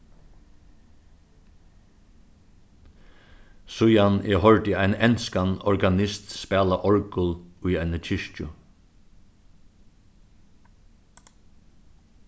síðan eg hoyrdi ein enskan organist spæla orgul í eini kirkju